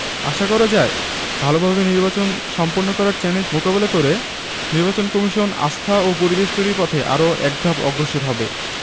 আশা করা যায় ভালোভাবে নির্বাচন সম্পন্ন করার চ্যালেঞ্জ মোকাবেলা করে নির্বাচন কমিশন আস্থা ও পরিবেশ তৈরির পথে আরো একধাপ অগ্রসর হবে